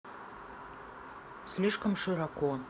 слишком широко